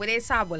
bu dee saabu la